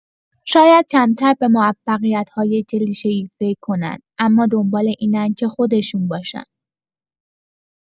شاید کمتر به موفقیت‌های کلیشه‌ای فکر کنن، اما دنبال اینن که «خودشون» باشن.